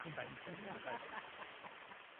Allai'm ffermio .